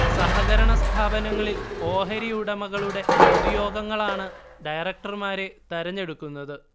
സഹകരണ സ്ഥാപനങ്ങളിൽ ഓഹരിയുടമകളുടെ പൊതുയോഗങ്ങളാണ് ഡയറക്ടർമാരെ തെരഞ്ഞെടുക്കുന്നത്